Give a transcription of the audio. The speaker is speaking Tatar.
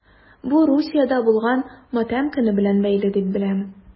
Бу Русиядә булган матәм көне белән бәйле дип беләм...